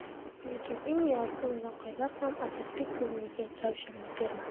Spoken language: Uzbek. lekin eng yorqin voqealar ham asadbek ko'ngliga ravshanlik bermadi